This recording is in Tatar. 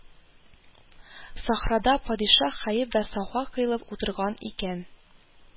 Сахрада падишаһ кәеф вә сафа кыйлып утырган икән